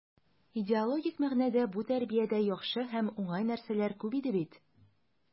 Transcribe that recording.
Идеологик мәгънәдә бу тәрбиядә яхшы һәм уңай нәрсәләр күп иде бит.